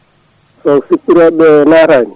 so sippiroɓe naatani